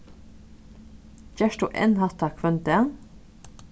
gert tú enn hatta hvønn dag